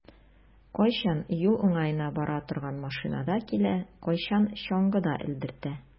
Кайчан юл уңаена бара торган машинада килә, кайчан чаңгыда элдертә.